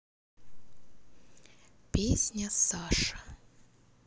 песня саша